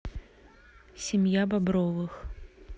семья бобровых